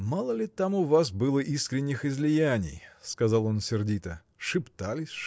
– Мало ли там у вас было искренних излияний? – сказал он сердито – шептались